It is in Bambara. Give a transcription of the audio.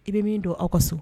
I bɛ min don aw ka so